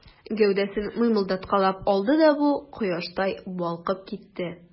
Гәүдәсен мыймылдаткалап алды да бу, кояштай балкып китте.